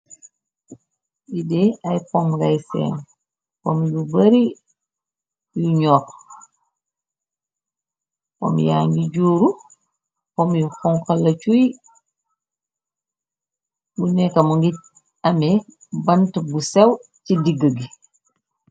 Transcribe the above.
Lidée ay pom gay feem pom yu bari yu ñox pom yaa ngi juuru pom yu xonkala cuy bu nekkamo ngit amee bant bu sew ci digga gi.